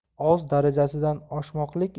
oz darajasidan oshmoqlik